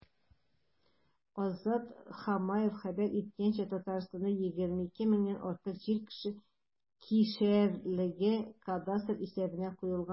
Азат Хамаев хәбәр иткәнчә, Татарстанда 22 меңнән артык җир кишәрлеге кадастр исәбенә куелган.